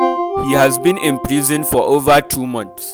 He has been in prison for over two months.